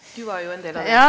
du var jo en del av det.